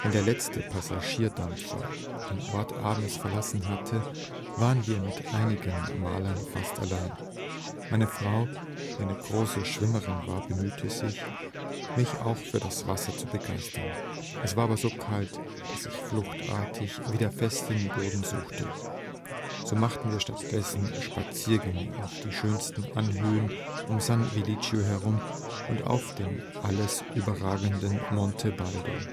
der letzte Passagierdampfer den Ort abends verlassen hatte, waren wir mit einigen Malern fast allein. Meine Frau, die eine große Schwimmerin war, bemühte sich, mich auch für das Wasser zu begeistern. Es war aber so kalt, dass ich fluchtartig wieder festen Boden suchte. So machten wir stattdessen Spaziergänge auf die schönen Anhöhen um San Vigilio herum und auf den alles überragenden Monte Baldo